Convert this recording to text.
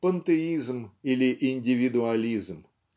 Пантеизм или индивидуализм?